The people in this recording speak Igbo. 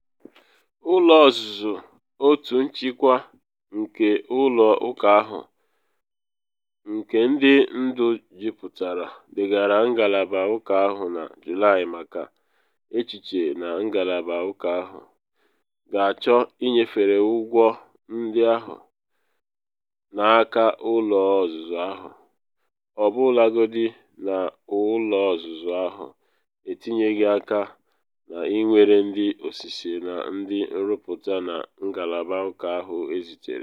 Ụlọ ọzụzụ - otu nchịkwa nke ụlọ ụka ahụ, nke ndị ndu juputara - degara ngalaba ụka ahụ na Julaị maka echiche na ngalaba ụka ahụ “ga-achọ ịnyefe ụgwọ ndị ahụ” n’aka ụlọ ozuzu ahụ, ọbụlagodi na ụlọ ozuzu ahụ etinyeghị aka na iwere ndi ọsịse na ndị nrụpụta na ngalaba ụka ahụ ezitere.